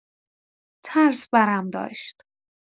ترس برم داشت.